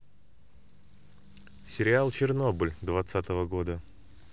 сериал чернобыль двадцатого года